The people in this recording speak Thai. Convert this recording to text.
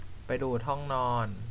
ไปดููดห้องนอน